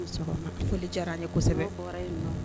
Foli diyara kosɛbɛ